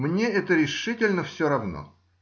Мне это решительно все равно.